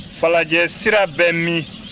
falajɛ sira bɛ min